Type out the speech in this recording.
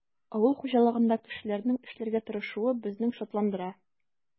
Авыл хуҗалыгында кешеләрнең эшләргә тырышуы безне шатландыра.